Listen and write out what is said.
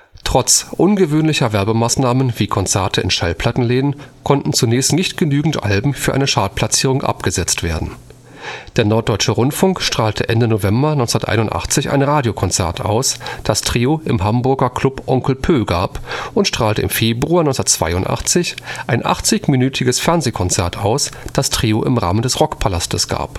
Trotz ungewöhnlicher Werbemaßnahmen wie Konzerte in Schallplattenläden konnten zunächst nicht genügend Alben für eine Chartplatzierung abgesetzt werden. Der Norddeutsche Rundfunk strahlte Ende November 1981 ein Radio-Konzert aus, das Trio im Hamburger Club Onkel Pö gab und strahlte im Februar 1982 ein 80-minütiges Fernsehkonzert aus, das Trio im Rahmen des Rockpalastes gab